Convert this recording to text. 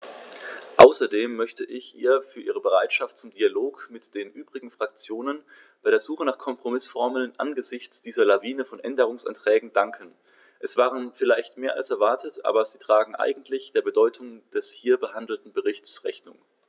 Außerdem möchte ich ihr für ihre Bereitschaft zum Dialog mit den übrigen Fraktionen bei der Suche nach Kompromißformeln angesichts dieser Lawine von Änderungsanträgen danken; es waren vielleicht mehr als erwartet, aber sie tragen eigentlich der Bedeutung des hier behandelten Berichts Rechnung.